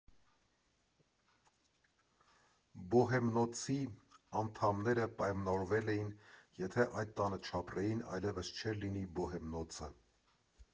Բոհեմնոցի անդամները պայմանավորվել էին՝ եթե այդ տանը չապրեին, այլևս չէր լինի Բոհեմնոցը։